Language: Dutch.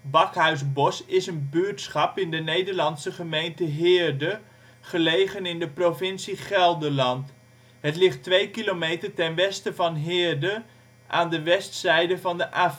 Bakhuisbos is een buurtschap in de Nederlandse gemeente Heerde, gelegen in de provincie Gelderland. Het ligt 2 kilometer ten westen van Heerde, aan de westzijde van de A50